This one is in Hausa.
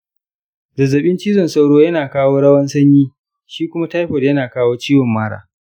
zazzaɓin cizon sauro yana kawo rawan sanyi shi kuma typoid yana kawo ciwon mara.